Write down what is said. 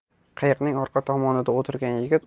qayiqning orqa tomonida o'tirgan